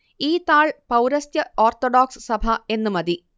ഈ താൾ പൗരസ്ത്യ ഓർത്തഡോക്സ് സഭ എന്ന് മതി